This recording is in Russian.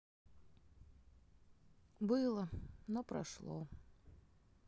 было но прошло